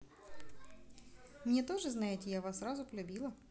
мне тоже знаете я вас сразу полюбила